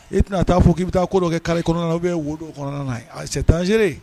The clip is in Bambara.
E tɛna taaa fɔ k'i bɛ taa ko dɔ kɛ kari kɔnɔna na u bɛ wo don kɔnɔna na cɛ tanzseere